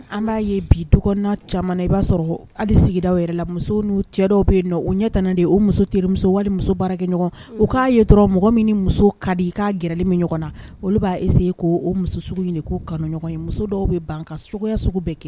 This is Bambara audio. An b'a ye bi du caman i b'a sɔrɔ hali sigida yɛrɛ la muso niu cɛ dɔw bɛ yen nɔ o ɲɛt de o muso terimuso wali muso baara kɛ ɲɔgɔn u k'a ye dɔrɔn mɔgɔ min muso ka di i k'a gli min ɲɔgɔn na olu b'a ese ko o muso sugu ɲini k'u kanuɲɔgɔn ye muso dɔw bɛ ban ka sokɛya sugu bɛɛ kɛ